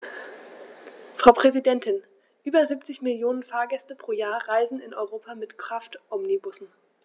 Frau Präsidentin, über 70 Millionen Fahrgäste pro Jahr reisen in Europa mit Kraftomnibussen.